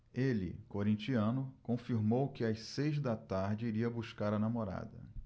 ele corintiano afirmou que às seis da tarde iria buscar a namorada